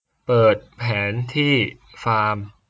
เปิดแผนที่ฟาร์ม